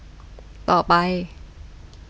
ต่อไป